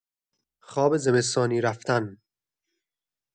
خواب زمستانی رفتن